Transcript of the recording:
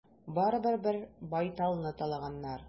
Барыбер, бер байталны талаганнар.